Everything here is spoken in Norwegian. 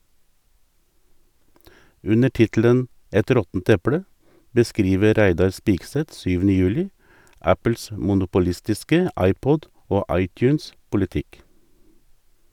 Under tittelen "Et råttent eple" beskriver Reidar Spigseth 7. juli Apples monopolistiske iPod- og iTunes-politikk.